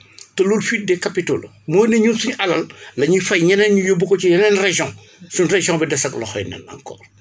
te loolu fuite de capitaux la mooy ne ñun suñu alal la ñuy fay ñeneen ñu yóbbu ko yeneen régions suñ région bi des ak loxoy neen encore